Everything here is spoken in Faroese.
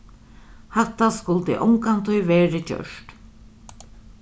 hatta skuldi ongantíð verið gjørt